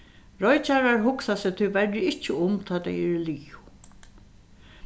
roykjarar hugsa seg tíverri ikki um tá tey eru liðug